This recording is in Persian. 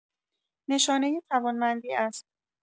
نشانۀ توانمندی است.